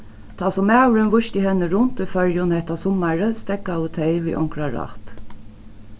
tá so maðurin vísti henni runt í føroyum hetta summarið steðgaðu tey við onkra rætt